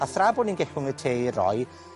A thra bo' ni'n gellwng y te i roi,